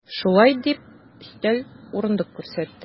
Шулай дип, өстәл, урындык күрсәтте.